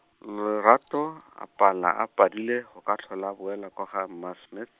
L- Lorato, a pala a padile go ka tlhola a boela kwa ga mma- Smith.